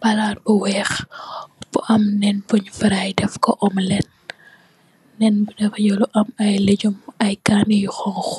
Palat bu wekh bu am nen buñ faray defko omlett, Nenbi daffa yellow am ayy legume ayy kaneh yu xonxu